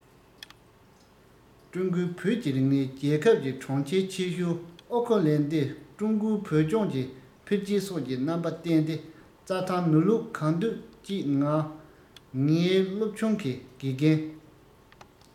ཀྲུང གོའི བོད ཀྱི རིག གནས རྒྱལ ཁབ ཀྱི གྲོང ཁྱེར ཆེ ཤོས ཨའོ ཁོ ལན ཏི ཀྲུང གོའི བོད ལྗོངས ཀྱི འཕེལ རྒྱས སོགས ཀྱི རྣམ པ བསྟན ཏེ རྩ ཐང ནོར ལུག གང འདོད སྐྱིད ང ངའི སློབ ཆུང གི དགེ རྒན